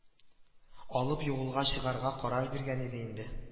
Алып юлга чыгарга карар биргән иде инде